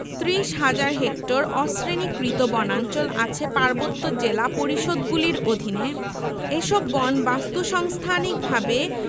৩০ হাজার হেক্টর অশ্রেণীকৃত বনাঞ্চল আছে পার্বত্য জেলা পরিষদগুলির অধীনে এসব বন বাস্তুসংস্থানিকভাবে